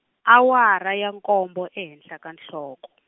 awara ya nkombo ehenhla ka nhloko.